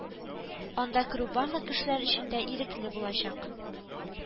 Анда керү барлык кешеләр өчен дә ирекле булачак